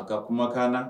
A ka kumakan na